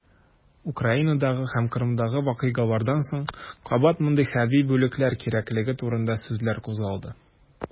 Украинадагы һәм Кырымдагы вакыйгалардан соң кабат мондый хәрби бүлекләр кирәклеге турында сүзләр кузгалды.